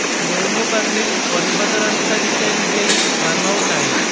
മൂന്നു പന്തിൽ ഒൻപത് റൺസടിച്ച വിജയ് റൺഔട്ടായി